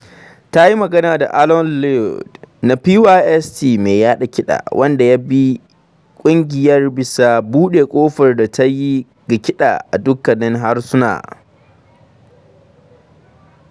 Ta yi magana da Alun Liwyd na PYST mai yaɗa kiɗa, wanda ya yabi ƙungiyar bisa buɗe ƙofar da ta yi ga kiɗa a dukkanin harsuna.